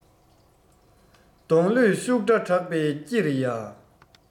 སྡོང ལོས ཤུ སྒྲ བསྒྲགས པར སྐྱི རེ གཡའ